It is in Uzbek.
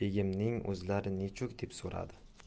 begimning o'zlari nechuk deb so'radi